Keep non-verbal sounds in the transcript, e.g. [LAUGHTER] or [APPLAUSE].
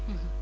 [HESITATION] [HESITATION]